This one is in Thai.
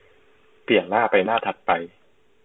เปลี่ยนหน้าไปหน้าถัดไป